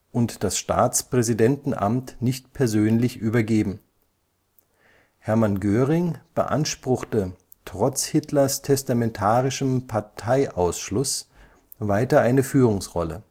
und das Staatspräsidentenamt nicht persönlich übergeben. Hermann Göring beanspruchte trotz Hitlers testamentarischem Parteiausschluss weiter eine Führungsrolle